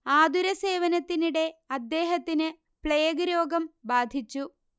ആതുരസേവനത്തിനിടെ അദ്ദേഹത്തിന് പ്ലേഗ് രോഗം ബാധിച്ചു